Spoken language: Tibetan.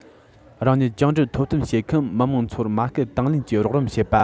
རང ཉིད བཅིངས འགྲོལ ཐོབ ཐབས བྱེད མཁན མི དམངས ཚོར མ བསྐུལ དང ལེན གྱིས རོགས རམ བྱེད པ